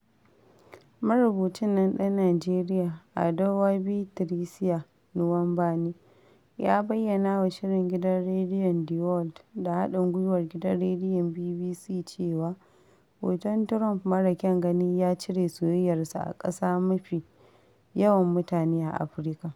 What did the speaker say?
Marubucin nan ɗan Nijeriya Adaobi Tricia Nwaubani ya bayyana wa shirin gidan rediyon 'The World' da haɗin-gwiwar gidan rediyon BBC cewa, hoton Trump mara kyan gani ya cire soyayyarsa a ƙasa mafi yawan mutane a Afirka: